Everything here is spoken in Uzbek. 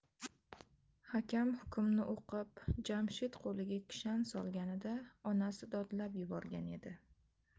hakam hukmni o'qib jamshid qo'liga kishan solinganida onasi dodlab yuborgan edi